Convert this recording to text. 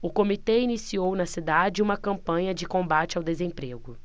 o comitê iniciou na cidade uma campanha de combate ao desemprego